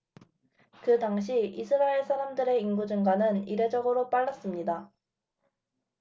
그 당시 이스라엘 사람들의 인구 증가는 이례적으로 빨랐습니다